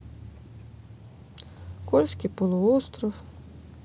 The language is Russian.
кольский полуостров